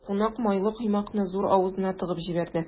Кунак майлы коймакны зур авызына тыгып җибәрде.